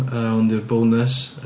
Yy hwn ydy'r bonws.